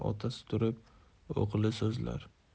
otasi turib o'g'li so'zlar